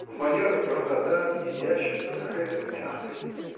В манерах простота, изящество, какая-то мягкость.